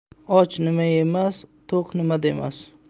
och nima yemas to'q nima demas